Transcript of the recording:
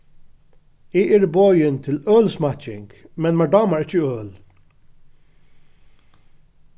eg eri boðin til ølsmakking men mær dámar ikki øl